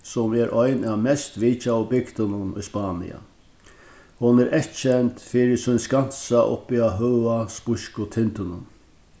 sum er ein av mest vitjaðu bygdunum í spania hon er eyðkend fyri sín skansa uppi á høga spísku tindunum